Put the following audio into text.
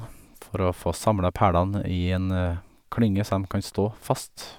For å få samla pælene i en klynge så dem kan stå fast.